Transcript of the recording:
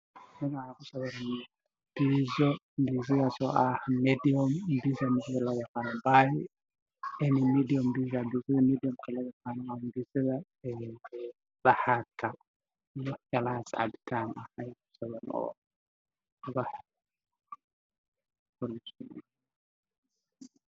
Meeshaan waxaa yaalo boor wax ku sawiray bisa naf boorka kusii qoran baay pizza waa kufee biizaan wajallo